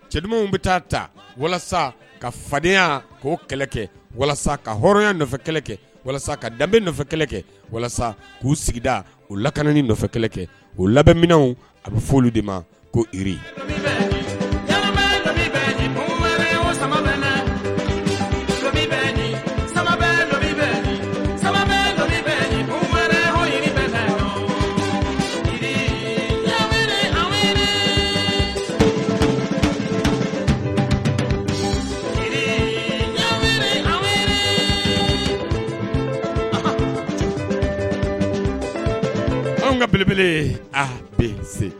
Cɛdiw bɛ taa ta walasa ka fadenyaya k'o kɛlɛ kɛ walasa ka hɔrɔnya nɔfɛ kɛlɛ kɛ walasa ka danbe nɔfɛ kɛ walasa k'u sigida u laki nɔfɛ kɛlɛ kɛ u labɛnminw a bɛ foli de ma ko iri anw ka bbele a bɛ se